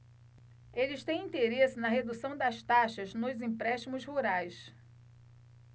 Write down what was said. eles têm interesse na redução das taxas nos empréstimos rurais